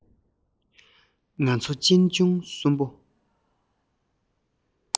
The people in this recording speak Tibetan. ང ཚོ གཅེན གཅུང གསུམ པོ